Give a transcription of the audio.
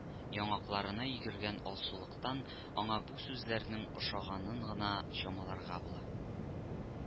Яңакларына йөгергән алсулыктан аңа бу сүзләрнең ошаганын гына чамаларга була